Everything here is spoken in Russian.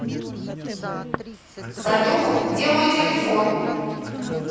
салют где мой телефон